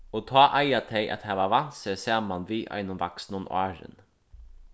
og tá eiga tey at hava vant seg saman við einum vaksnum áðrenn